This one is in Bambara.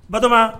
Bama